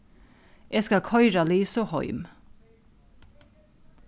eg skal koyra lisu heim